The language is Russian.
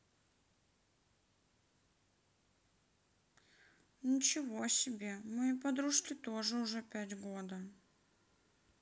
ничего себе моей подружки тоже уже пять года